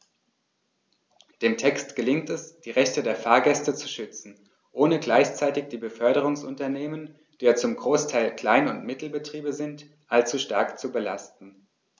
Dem Text gelingt es, die Rechte der Fahrgäste zu schützen, ohne gleichzeitig die Beförderungsunternehmen - die ja zum Großteil Klein- und Mittelbetriebe sind - allzu stark zu belasten.